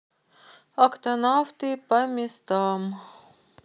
октонавты по местам